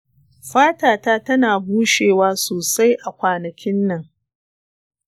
fatata ta na bushewa sosai a kwanakin nan.